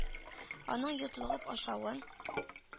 Аның йотлыгып ашавын,